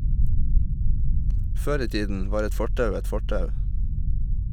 Før i tiden var et fortau et fortau.